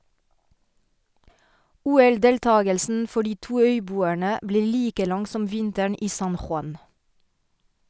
OL-deltagelsen for de to øyboerne ble like lang som vinteren i San Juan.